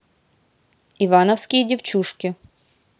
ивановские девчушки